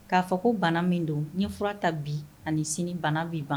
K'a fɔ ko bana min don ɲe fura ta bi ani sini bana bi ban